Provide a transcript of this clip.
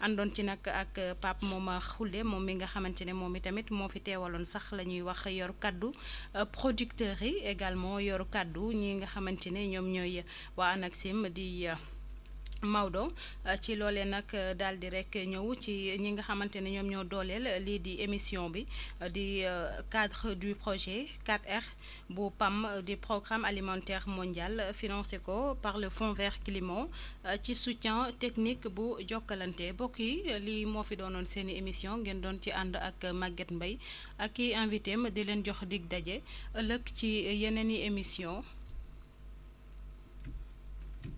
àndoon ci nag ak Pape Momar Khoule moom mi nga xamante ne moom i tamit moo fi teewaloon sax la ñuy wax ñi yor kaddu producteurs yi également moo yor kaddu ñii nga xamante ne ñoom ñooy waa ANACIM di Maodo ci loolee nag daal di rek ñëw ci ñi nga xamante ne ñoom ñoo dooleel lii di émission bi di cadre du projet 4R bu PAM di programme alimentaire mondial financé ko par le Fond vert climat ci soutien technique bu Jokalante mbokk yi lii moo fi doonoon seen émission ngeen doon ci ànd ak Maguette Mbaye ak i invité di leen jox dig daje ci yeneen i émission